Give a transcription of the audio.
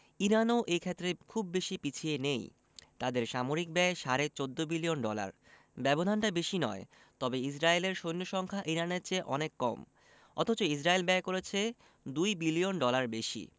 ইরানও এ ক্ষেত্রে খুব বেশি পিছিয়ে নেই তাদের সামরিক ব্যয় সাড়ে ১৪ বিলিয়ন ডলার ব্যবধানটা বেশি নয় তবে ইসরায়েলের সৈন্য সংখ্যা ইরানের চেয়ে অনেক কম অথচ ইসরায়েল ব্যয় করছে ২ বিলিয়ন ডলার বেশি